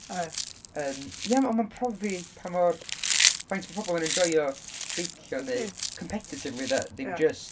Oedd.... Yym, ie ond mae'n profi pa mor... faint mae pobl yn enjoio beicio neu, competitively 'de, ddim jyst...